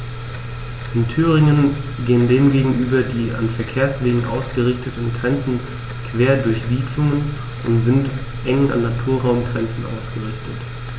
In Thüringen gehen dem gegenüber die an Verkehrswegen ausgerichteten Grenzen quer durch Siedlungen und sind eng an Naturraumgrenzen ausgerichtet.